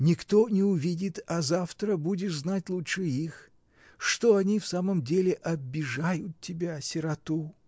Никто не увидит, а завтра будешь знать лучше их: что они в самом деле обижают тебя, сироту!